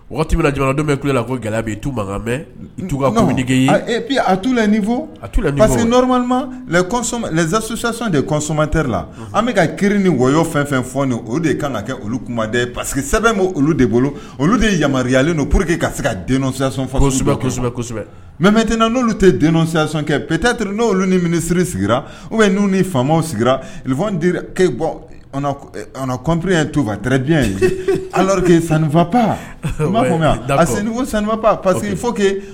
Waati bɛ jamana dɔw bɛ kulela ko gɛlɛya tu bagan tu a la nin que nsɔ de kɔsɔmatɛri la an bɛ ka kiiri ni wyɔ fɛn fɛn fɔ o de kan ka kɛ olu kumaden pa parce que sɛbɛn' olu de bolo olu de ye yamaruyaya dono po que ka se kaya kosɛbɛsɛbɛ kosɛbɛsɛbɛ mɛten n'olu tɛya kɛ pteter n'olu ni minisiriri sigira u ye n ni faw sigira ke bɔ kɔnpre to t ye ala sanfa pa b'a fɔ sanbap pa que